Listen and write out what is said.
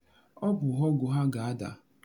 Ọ bụ ọgụ a ga-ada.